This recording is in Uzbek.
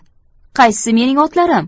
qaysisi mening otlarim